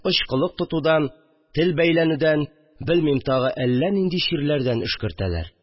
Очкылык тотудан, тел бәйләнүдән, белмәм, тагы нинди чирләрдән өшкертәләр